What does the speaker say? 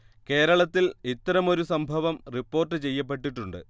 കേരളത്തിൽ ഇത്തരമൊരു സംഭവം റിപ്പോർട്ട് ചെയ്യപ്പെട്ടിട്ടുണ്ട്